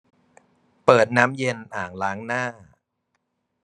เปิดน้ำเย็นอ่างล้างหน้า